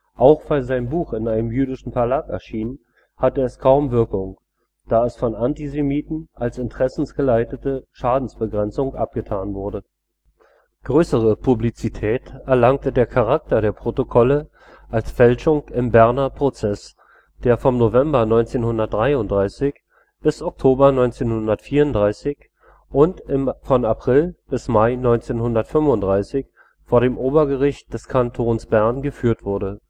Auch weil sein Buch in einem jüdischen Verlag erschien, hatte es kaum Wirkung, da es von Antisemiten als interessensgeleitete Schadensbegrenzung abgetan wurde. Größere Publizität erlangte der Charakter der Protokolle als Fälschung im Berner Prozess, der von November 1933 bis Oktober 1934 und von April bis Mai 1935 vor dem Obergericht des Kantons Bern geführt wurde